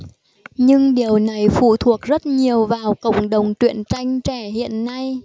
nhưng điều này phụ thuộc rất nhiều vào cộng đồng truyện tranh trẻ hiện nay